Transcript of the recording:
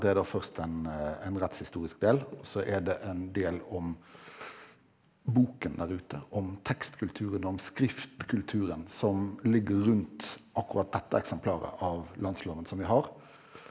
det er det først en en rettshistorisk del og så er det en del om boken der ute, om tekstkulturen, om skriftkulturen som ligger rundt akkurat dette eksemplaret av landsloven som vi har.